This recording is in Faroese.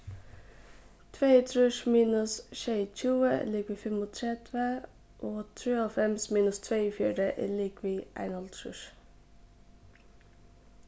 tveyogtrýss minus sjeyogtjúgu er ligvið fimmogtretivu og trýoghálvfems minus tveyogfjøruti er ligvið einoghálvtrýss